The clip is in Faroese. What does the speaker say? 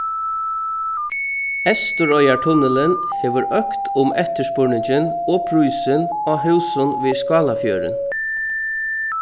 eysturoyartunnilin hevur økt um eftirspurningin og prísin á húsum við skálafjørðin